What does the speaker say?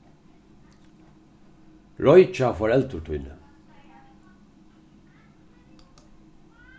roykja foreldur tíni